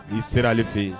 I sera ale fɛ yen